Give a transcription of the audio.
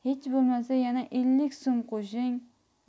hech bo'lmasa yana ellik so'm qo'shing